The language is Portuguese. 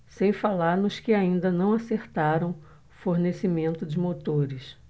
sem falar nos que ainda não acertaram o fornecimento de motores